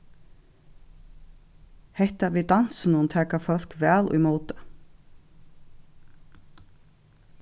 hetta við dansinum taka fólk væl ímóti